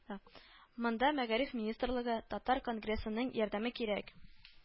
Монда мәгариф министрлыгы, Татар конгрессының ярдәме кирәк